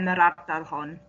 ardal hon?